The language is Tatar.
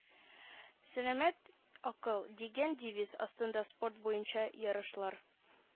Сәламәт акыл» дигән девиз астында спорт буенча ярышлар